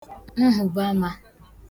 nhụ̀baàmā